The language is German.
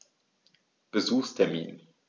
Besuchstermin